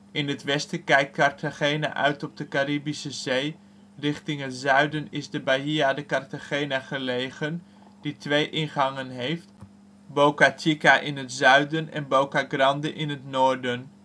In het westen kijkt Cartagena uit op de Caribische Zee. Richting het zuiden is de Bahía de Cartagena gelegen, die twee ingangen heeft: Bocachica in het zuiden en Bocagrande in het noorden